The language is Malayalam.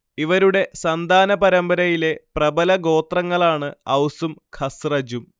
ഇവരുടെ സന്താന പരമ്പരയിലെ പ്രബല ഗോത്രങ്ങളാണ് ഔസും ഖസ്റജും